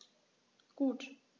Gut.